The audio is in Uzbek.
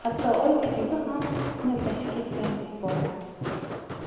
hatto oydek yuzi ham xunuklashib ketganday bo'ldi